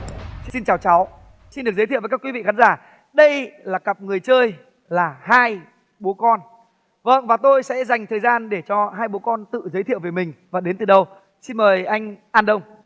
xin chào cháu xin được giới thiệu với các quý vị khán giả đây là cặp người chơi là hai bố con vâng và tôi sẽ dành thời gian để cho hai bố con tự giới thiệu về mình và đến từ đâu xin mời anh an đông